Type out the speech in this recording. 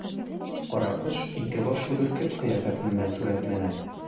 Каракош ике башлы бөркет кыяфәтендә сурәтләнә.